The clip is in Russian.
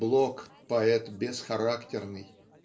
Блок - поэт бесхарактерный.